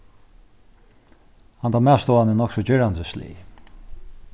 handan matstovan er nokk so gerandislig